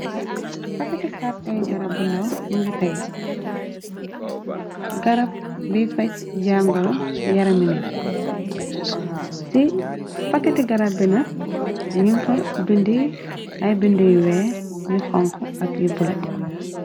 Paketi karton garab bu ndaw mongi tege garab bi faj jangoro ci yarami nit ci paketi garab bi nak nyun fa bindi ay bindi yu weex yu xonxu ak yu bulu.